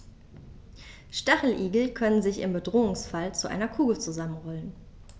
Stacheligel können sich im Bedrohungsfall zu einer Kugel zusammenrollen.